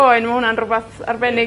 ...oen ma' 'wna'n rwbath arbennig...